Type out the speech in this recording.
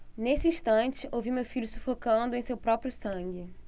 nesse instante ouvi meu filho sufocando em seu próprio sangue